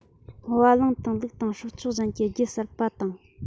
བ གླང དང ལུག དང སྲོག ཆགས གཞན གྱི རྒྱུད གསར པ དང